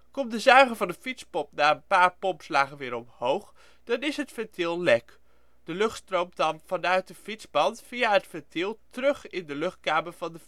Komt de zuiger van een fietspomp na een paar pompslagen weer omhoog, dan is het ventiel van de fietsband lek; de lucht stroomt dan vanuit de fietsband via het ventiel terug in de luchtkamer van de